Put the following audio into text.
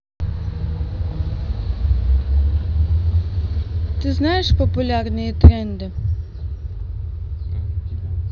ты знаешь популярные тренды